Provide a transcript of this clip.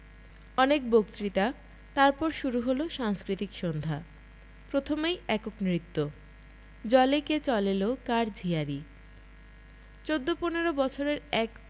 অনেক বক্তৃতা তার পর শুরু হল সাংস্কৃতিক সন্ধ্যা প্রথমেই একক নৃত্যজলে কে চলেলো কার ঝিয়ারি চৌদ্দ পনেরো বছরের এক